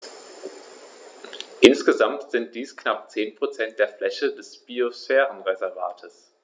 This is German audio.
Insgesamt sind dies knapp 10 % der Fläche des Biosphärenreservates.